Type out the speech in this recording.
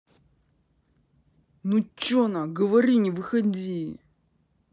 ну че на говори не выходи